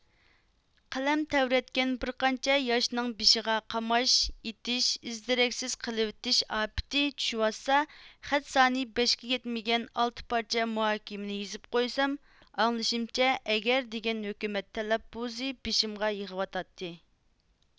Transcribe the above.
قەلەم تەۋرەتكەن بىرقانچە ياشنىڭ بېشىغا قاماش ئېتىش ئىز دېرەكسىز قىلىۋېتىش ئاپىتى چۈشۈۋاتسا خەت سانى بەشكە يەتمىگەن ئالتە پارچە مۇھاكىمىنى يېزىپ قويسام ئاڭلىشىمچە ئەگەردېگەن ھۆكۈمەت تەلەپپۇزى بېشىمغا يېغىۋاتاتتى